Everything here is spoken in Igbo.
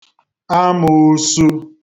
amūsū